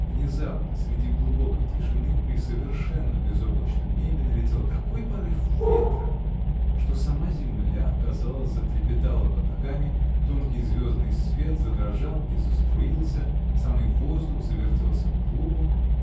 Внезапно, среди глубокой тишины, при совершенно безоблачном небе, налетел такой порыв ветра, что сама земля, казалось, затрепетала под ногами, тонкий звездный свет задрожал и заструился, самый воздух завертелся клубом.